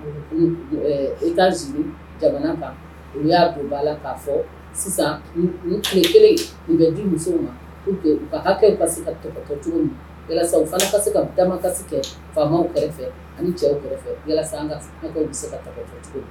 E ka jamana kan u y'a don b'a la k'a fɔ kelen bɛ di musow ma kasi ka cogo min ka taama kasi kɛ faama kɛrɛfɛ fɛ ani cɛw kɔfɛ ka bɛ se ka cogo